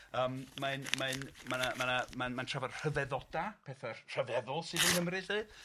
yym mae'n mae'n ma' 'na ma' 'na ma'n ma'n trafod rhyfeddoda, petha rhyfeddol sydd yng Nghymru 'lly,